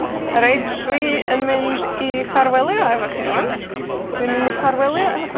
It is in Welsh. Reit, dwi yn mynd i ffarwelio efo chi rŵan, dwi'n mynd i ffarwelio efo chi